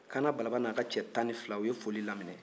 kaana balaba n'a ka cɛ tan ni fila u ye foli lama